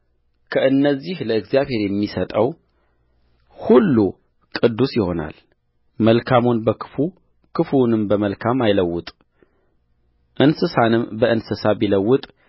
ከእነዚህ ለእግዚአብሔር የሚሰጠው ሁሉ ቅዱስ ይሆናልመልካሙን በክፉ ክፉውንም በመልካም አይለውጥ እንስሳንም በእንስሳ ቢለውጥ